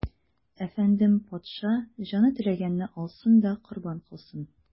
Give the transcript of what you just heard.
Әфәндем, патша, җаны теләгәнне алсын да корбан кылсын.